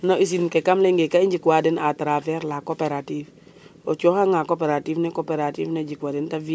non usine ke kam ley nge ka i njik wa den à travers la coopérative o coxa nga coopérative ne coopérative ne jik wa den te v